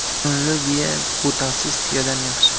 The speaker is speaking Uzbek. qulunli biya bo'tasiz tuyadan yaxshi